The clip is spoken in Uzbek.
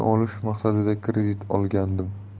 olish maqsadida kredit olgandim